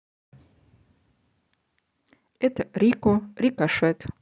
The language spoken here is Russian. это рико рикошет